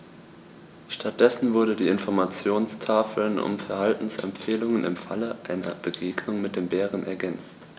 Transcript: Stattdessen wurden die Informationstafeln um Verhaltensempfehlungen im Falle einer Begegnung mit dem Bären ergänzt.